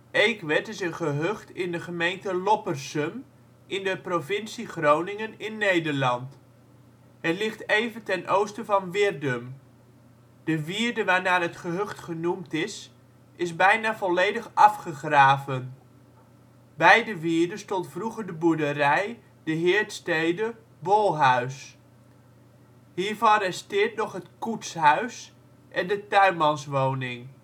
Eekwerd is een gehucht in de gemeente Loppersum in de provincie Groningen in Nederland. Het ligt even ten oosten van Wirdum. De wierde waarnaar het gehucht genoemd is, is bijna volledig afgegraven. Bij de wierde stond vroeger de boerderij (Heerdstede) Bolhuis. Hiervan resteert nog het koetshuis en de tuinmanswoning